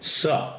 So.